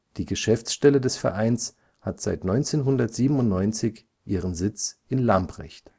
Die Geschäftsstelle des Vereins hat seit 1997 ihren Sitz in Lambrecht